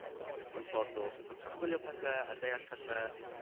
mae'n ffordd o sort of archwilio pethau, a deall pethau.